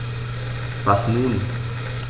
Was nun?